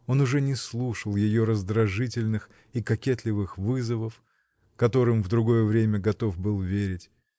Он уже не слушал ее раздражительных и кокетливых вызовов, которым в другое время готов был верить.